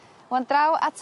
'Wan draw at...